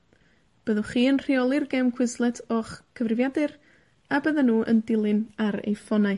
Byddwch chi yn rheoli'r gêm Quizlet o'ch cyfrifiadur, a byddan nw yn dilyn ar eu ffonau.